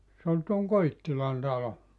se oli tuon Koittilan talo